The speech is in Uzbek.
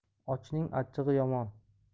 ochning achchig'i yomon